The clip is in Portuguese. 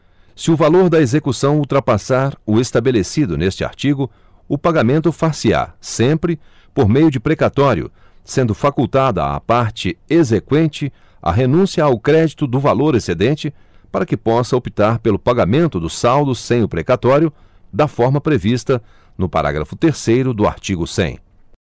se o valor da execução ultrapassar o estabelecido neste artigo o pagamento far se á sempre por meio de precatório sendo facultada à parte exeqüente a renúncia ao crédito do valor excedente para que possa optar pelo pagamento do saldo sem o precatório da forma prevista no parágrafo terceiro do artigo cem